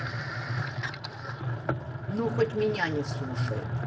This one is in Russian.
ну хоть меня не слушает